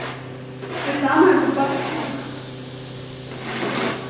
ты самая тупая штука